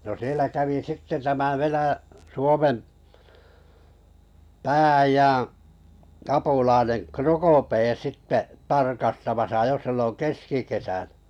no siellä kävi sitten tämä - Suomen pää-äijän - apulainen Procopé sitten tarkastamassa jo silloin keskikesänä